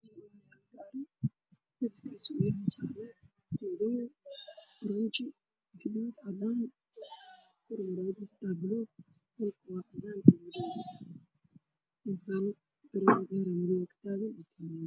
Waa gaari weyn oo midabkiis yahay jaalo oo cabihiisa waa weyn yihiin oo madow ah